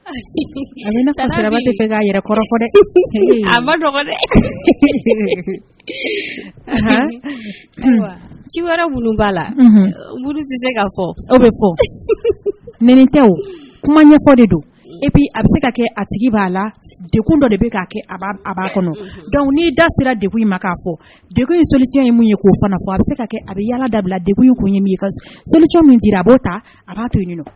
Yɛrɛ dɛ a dɛ ci wɛrɛ b'a la fɔ bɛ fɔ kuma ɲɛfɔ de don e a bɛ se ka kɛ a sigi b'a la de kun dɔ de bɛ'a kɛ a b'a kɔnɔ dɔnku n'i da sera deg in ma'a fɔ de in selilicɛ ye mun ye k'o fana fɔ a bɛ se ka a bɛ yaa dabila de kun ye min selisɔn min a b'o ta a b'a to ɲini